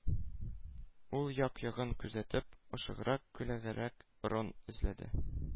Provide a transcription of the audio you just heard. Ул як-ягын күзәтеп, ышыграк, күләгәрәк урын эзләде.